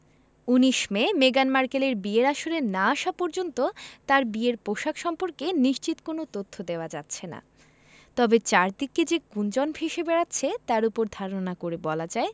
১৯ May মেগান মার্কেলের বিয়ের আসরে না আসা পর্যন্ত তাঁর বিয়ের পোশাক সম্পর্কে নিশ্চিত কোনো তথ্য দেওয়া যাচ্ছে না তবে চারদিকে যে গুঞ্জন ভেসে বেড়াচ্ছে তার ওপর ধারণা করে বলা যায়